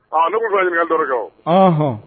Aa ne tun bɛ fɛ ka ɲininkali dɔ de kɛ o. Ɔnhɔn